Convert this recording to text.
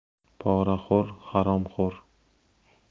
poraxo'r haromxo'r